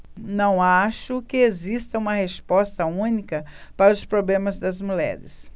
não acho que exista uma resposta única para os problemas das mulheres